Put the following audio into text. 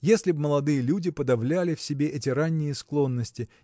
если б молодые люди подавляли в себе эти ранние склонности